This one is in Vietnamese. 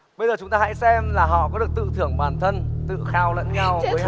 bây giờ chúng ta hãy xem là họ có được tự thưởng bản thân tự khao lẫn nhau với hai